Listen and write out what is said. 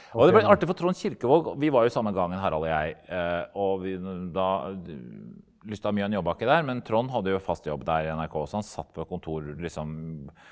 og det er litt artig for Trond Kirkvaag vi var jo i samme gangen Harald og jeg og vi Lystad og Mjøen jobba ikke der men Trond hadde jo fast jobb der i NRK så han satt på kontor liksom .